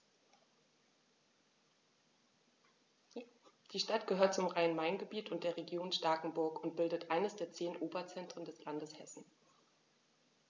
Die Stadt gehört zum Rhein-Main-Gebiet und der Region Starkenburg und bildet eines der zehn Oberzentren des Landes Hessen.